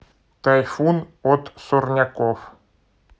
тайфун от сорняков